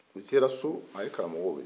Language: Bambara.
o sera so o ye karamɔgɔ weele